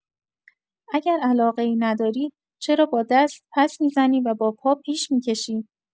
اگر علاقه‌ای نداری، چرا با دست پس می‌زنی و با پا پیش می‌کشی؟